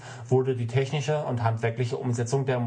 wurde die technische und handwerkliche Umsetzung der monumentalen